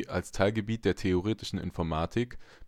als Teilgebiet der Theoretischen Informatik